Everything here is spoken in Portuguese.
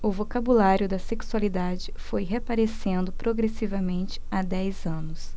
o vocabulário da sexualidade foi reaparecendo progressivamente há dez anos